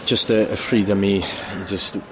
jyst yy y freedom i